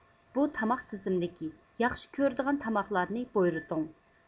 بۇ تاماق تىزىملىكى ياخشى كۆرىدىغان تاماقلارنى بۇيرىتىڭ